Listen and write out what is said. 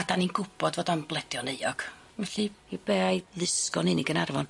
A dan ni'n gwbod fod o'n bledio'n euog, felly i be a'i lusgo'n hun i Gynarfon?